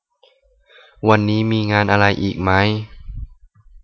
วันนี้มีงานอะไรอีกไหม